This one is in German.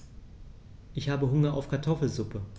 Ich habe Hunger auf Kartoffelsuppe.